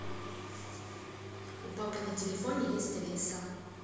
у папы на телефоне есть алиса